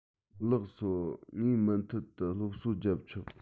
ལགས སོ ངས མུ མཐུད དུ སློབ གསོ རྒྱབ ཆོག